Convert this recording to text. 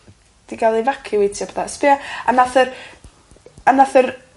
'di ga'l efaciwatio a pethe. Sbia. A nath yr a nath yr